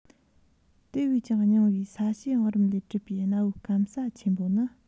དེ བས ཀྱང རྙིང བའི ས གཤིས བང རིམ ལས གྲུབ པའི གནའ བོའི སྐམ ས ཆེན པོ ནི